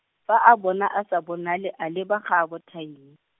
fa a bona a sa bonale a leba gaabo Tiny.